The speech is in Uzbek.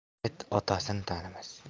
it otasini tanimas